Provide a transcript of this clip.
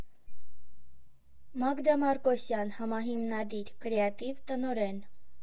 Մագդա Մարկոսյան համահիմնադիր, կրեատիվ տնօրեն։